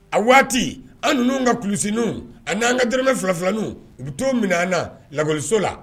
A waati an ninnu ka kulusininw, a n' an ka dɛrɛmɛ filafilaninw u bɛ t'o min'an na lakɔliso la